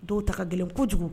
Dɔw ta gɛlɛn kojugu